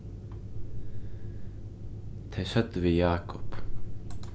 tey søgdu við jákup